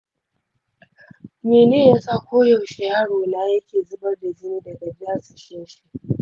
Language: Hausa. mene yasa koyaushe yaro na yake zubar da jini daga dasashin shi?